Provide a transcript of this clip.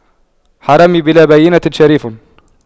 حرامي بلا بَيِّنةٍ شريف